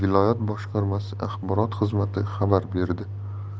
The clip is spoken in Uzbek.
viloyat boshqarmasi axborot xizmati xabar berdi